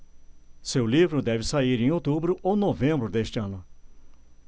seu livro deve sair em outubro ou novembro deste ano